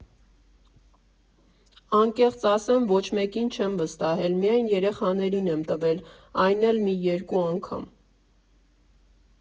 Անկեղծ ասեմ, ոչ մեկին չեմ վստահել, միայն երեխաներին եմ տվել, այն էլ մի երկու անգամ.